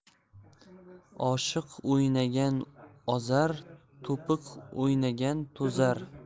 oshiq o'ynagan ozar to'piq o'ynagan to'zar